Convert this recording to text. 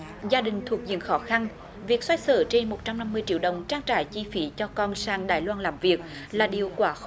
gia đình thuộc diện khó khăn việc xoay xở trên một trăm năm mươi triệu đồng trang trải chi phí cho con sang đài loan làm việc là điều quá khó